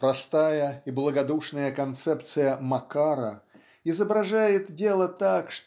Простая и благодушная концепция "Макара" изображает дело так